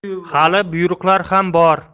hali buyruqlar ham bor